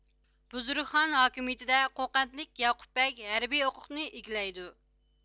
بۇزرۇكخان ھاكىمىيىتىدە قوقەنتلىك ياقۇپبەگ ھەربىي ھوقۇقنى ئىگىلەيدۇ